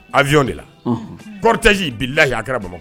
Afyɔn de la ptɛsi bilalayi a kɛra bamakɔ